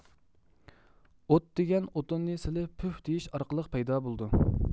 ئوت دېگەن ئۇتۇننى سېلىپ پۈھ دېيىش ئارقىلىق پەيدا بولىدۇ